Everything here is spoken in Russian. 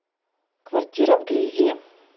квартира в грязи